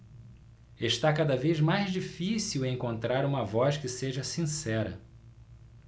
está cada vez mais difícil encontrar uma voz que seja sincera